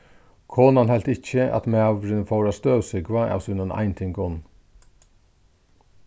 konan helt ikki at maðurin fór at støvsúgva av sínum eintingum